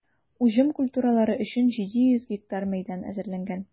Уҗым культуралары өчен 700 га мәйдан әзерләнгән.